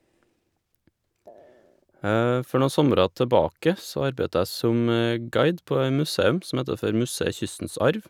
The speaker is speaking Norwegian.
For noen sommere tilbake så arbeidde jeg som guide på et museum som heter for Museet Kystens Arv.